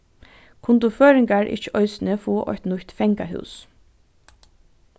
kundu føroyingar ikki eisini fáa eitt nýtt fangahús